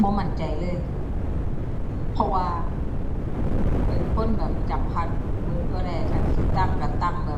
อิหยังที่ขึ้นชื่อว่าเป็นเรื่องส่วนชื่อ เป็นข้อมูลส่วนชื่อนี่สำคัญชื่อ บ่แค่เฉพาะตอนแจ้งปั